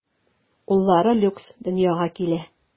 Уллары Люкс дөньяга килә.